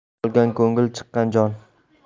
qolgan ko'ngil chiqqan jon